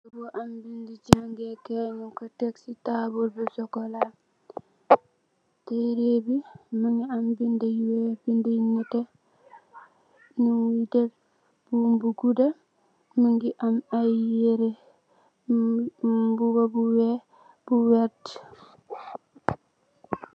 Lu am bindi jangekai nyung ko tek si tabul bi bu cxocola tere bi mongi am binda yu weex binda yu nete ñyungi def buum bu guda mongi am ay yere mbuba bu weex bu wertax.